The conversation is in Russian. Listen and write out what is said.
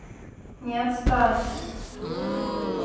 не отстань